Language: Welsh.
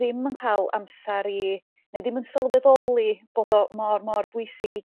ddim yn ca'l amser i ne' ddim yn sylweddoli fod o mor mor bwysig i